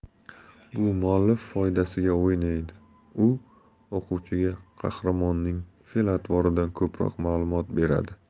bu muallif foydasiga o'ynaydi u o'quvchiga qahramonning fe'l atvoridan ko'proq ma'lumot beradi